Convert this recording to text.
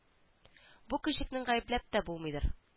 Бу көчекне гаепләп тә булмыйдыр